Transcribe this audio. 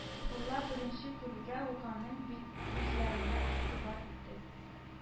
Фулла беренче күрүгә үк аның күзләренә игътибар итте